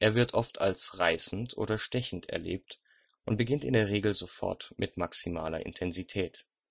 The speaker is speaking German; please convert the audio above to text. wird oft als reißend oder stechend erlebt und beginnt in der Regel sofort mit maximaler Intensität. Meist